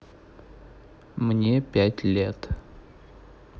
мне пять лет